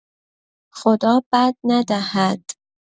خدا بد ندهد؟!